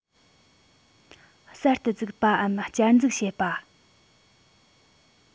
གསར དུ བཙུགས པའམ བསྐྱར འཛུགས བྱས པ